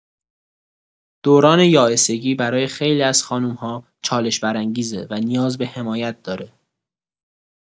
دوران یائسگی برای خیلی از خانم‌ها چالش‌برانگیزه و نیاز به حمایت داره.